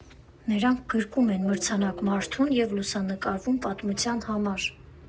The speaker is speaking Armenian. Նրանք գրկում են մրցանակ֊մարդուն և լուսանկարվում պատմության համար։